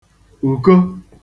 ùko